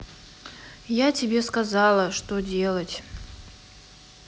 я тебе сказала что делать